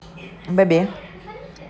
беби